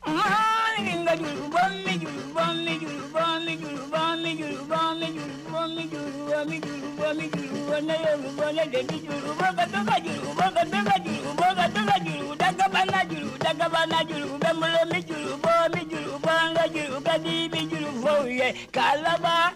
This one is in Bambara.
Wajugum ba bamjugum nejugujjugu jaj da kaba laj kaba laj 2mɛj juruj baj juru kaji bɛ juruba ye kaba laban